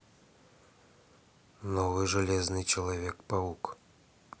новый железный человек паук